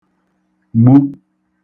-gbu